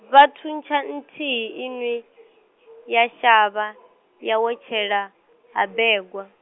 vha thuntsha nthihi inwi, ya shavha, ya wetshela Ha Begwa.